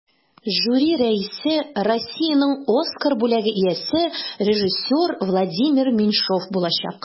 Жюри рәисе Россиянең Оскар бүләге иясе режиссер Владимир Меньшов булачак.